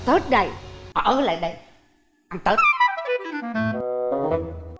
tết này ở lại đây ăn tết